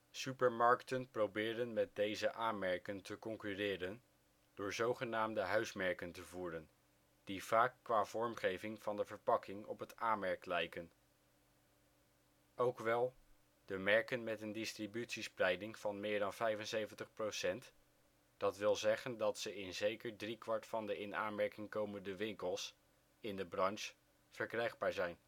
Supermarkten proberen met deze A-merken te concurreren door zogenaamde huismerken te voeren, die vaak qua vormgeving van de verpakking op het A-merk lijken. Ook wel: de merken met een distributiespreiding van meer dan 75 %, dat wil zeggen dat ze in zeker driekwart van de in aanmerking komende winkels in de branche verkrijgbaar zijn